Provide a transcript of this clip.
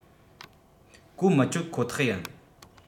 གོ མི ཆོད ཁོ ཐག ཡིན